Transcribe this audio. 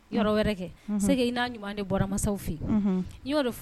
Ɲuman'